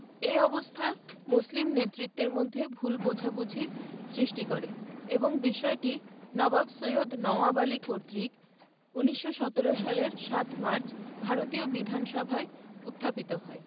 এ অবস্থা মুসলিম নেতৃত্বের মধ্যে ভুল বোঝাবুঝির সৃষ্টি করে এবং বিষয়টি নবাব সৈয়দ নওয়াব আলী কর্তৃক ১৯১৭ সালের ৭ মার্চ ভারতীয় বিধানসভায় উত্থাপিত হয়